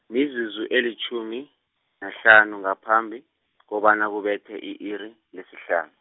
mizuzu elitjhumi, nahlanu ngaphambi, kobana kubethe i-iri, lesihlanu.